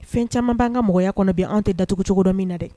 Fɛn caman' an kamɔgɔya kɔnɔ bɛn an tɛ datugu cogo dɔ min na dɛ